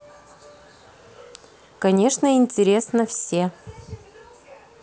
конечно интересно все